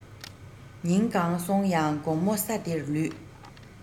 ཉིན གང སོང ཡང དགོང མོ ས དེར ལུས